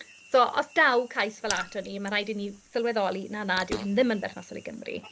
So os daw cais fela ato ni, ma'n raid i ni sylweddoli, "na nad yw hyn ddim yn berthnasol i Gymru".